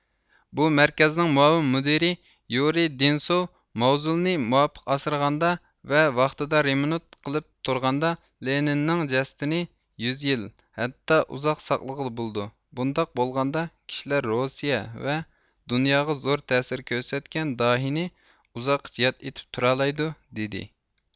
بۇ مەركەزنىڭ مۇئاۋىن مۇدىرى يۇرىي دىنىسۇۋ ماۋزۇلنى مۇۋاپىق ئاسرىغاندا ۋە ۋاقتىدا رېمونت قىلىپ تۇرغاندا لېنىننىڭ جەسىتىنى يۈز يىل ھەتتا ئۇزاق ساقلىغىلى بولىدۇ بۇنداق بولغاندا كىشىلەر روسىيە ۋە دۇنياغا زور تەسىر كۆرسەتكەن داھىينى ئۇزاققىچە ياد ئېتىپ تۇرالايدۇ دېدى